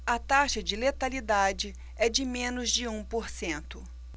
a taxa de letalidade é de menos de um por cento